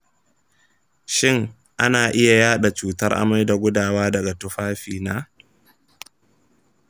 shin ana iya yaɗa cutar amai da gudawa daga tufafina?